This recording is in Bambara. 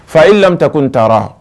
Fa iilame takune taraa